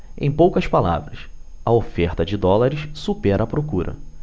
em poucas palavras a oferta de dólares supera a procura